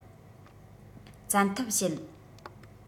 བཙན ཐབས བྱེད